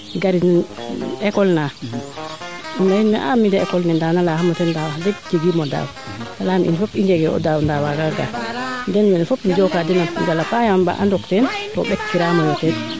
gari école naa im leyin mee a mi de école ne NDane a leya xamo ten ndaa wax deg jegiimo daaw te leyaame in fop i njegee o daaw ndaa waaga gar den wene fop im njoka dena njal a paax yaam a mba'a ndok teen to ɓek ki raamoyo teen